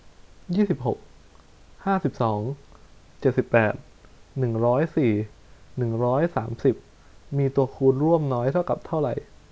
ยี่สิบหกห้าสิบสองเจ็ดสิบแปดหนึ่งร้อยสี่หนึ่งร้อยสามสิบมีตัวคูณร่วมน้อยเท่ากับเท่าไหร่